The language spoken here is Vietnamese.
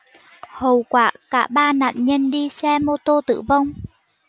hậu quả cả ba nạn nhân đi xe mô tô tử vong